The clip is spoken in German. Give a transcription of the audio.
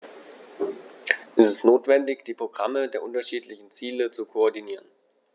Es ist notwendig, die Programme der unterschiedlichen Ziele zu koordinieren.